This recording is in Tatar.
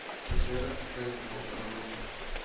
Чәчләре кыска итеп алдырган